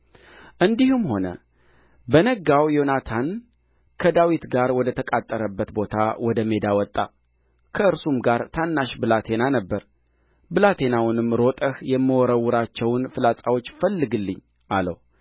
እንዲህም ሆነ በነጋው ዮናታን ከዳዊት ጋር ወደ ተቃጠረበት ቦታ ወደ ሜዳ ወጣ ከእርሱም ጋር ታናሽ ብላቴና ነበረ